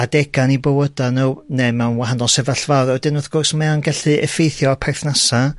adega yn 'u bywyda nw ne' mewn wahanol sefyllfaodd a wedyn wrth gwrs mae o'n gallu effeithio perthnasa